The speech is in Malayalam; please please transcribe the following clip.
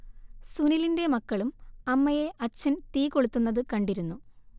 സുനിലിന്റെ മക്കളും അമ്മയെ അഛ്ഛൻ തീ കൊളുത്തുന്നത് കണ്ടിരുന്നു